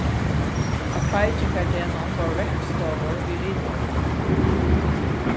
á kveikingardegnum vóru verkstovur við rithøvundum